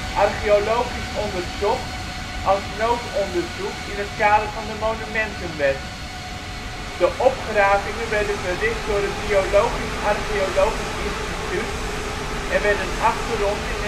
archeologisch onderzocht als noodonderzoek in het kader van de Monumentenwet. De opgravingen werden verricht door het Biologisch-Archeologisch Instituut (BAI) en werden afgerond in